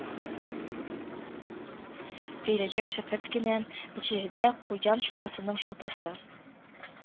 «өйрәнчек шәкерт» кенә, нәтиҗәдә «куян шулпасының шулпасы»